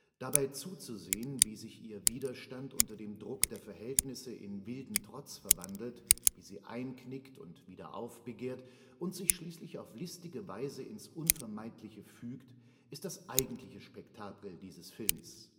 Dabei zuzusehen, wie sich ihr Widerstand unter dem Druck der Verhältnisse in wilden Trotz verwandelt, wie sie einknickt und wieder aufbegehrt und sich schließlich auf listige Weise ins Unvermeidliche fügt, ist das eigentliche Spektakel dieses Films